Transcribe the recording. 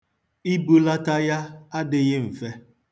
Ibulata ya adịghị mfe.